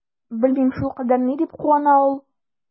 Белмим, шулкадәр ни дип куана ул?